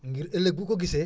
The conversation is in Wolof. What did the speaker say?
ngir ëllëg bu ko gisee